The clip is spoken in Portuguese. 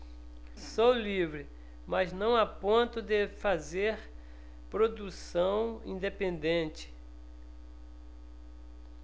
sou livre mas não a ponto de fazer produção independente